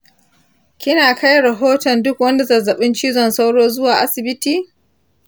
kina kai rohoton duk wani zazzaɓin cizon sauro zuwa asibiti?